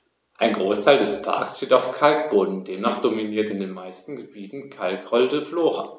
Ein Großteil des Parks steht auf Kalkboden, demnach dominiert in den meisten Gebieten kalkholde Flora.